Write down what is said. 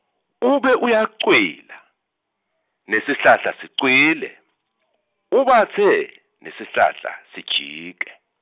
ube uyacwila, nesihlahla sicwile , ubatse nesihlahla sijike.